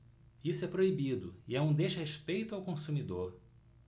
isso é proibido e é um desrespeito ao consumidor